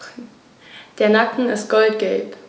Der Nacken ist goldgelb.